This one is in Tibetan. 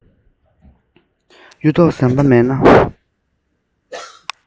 གཡུ ཐོག ཟམ པ མེད ན